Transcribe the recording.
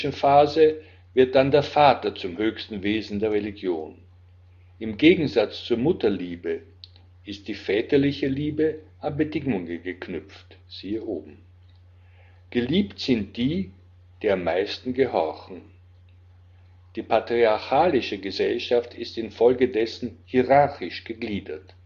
Phase wird dann der Vater zum höchsten Wesen der Religion. Im Gegensatz zur Mutterliebe ist die väterliche Liebe an Bedingungen geknüpft (s. o.). Geliebt sind die, die am meisten gehorchen. Die patriarchalische Gesellschaft ist infolge dessen hierarchisch gegliedert